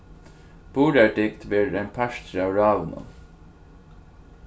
burðardygd verður ein partur av ráðunum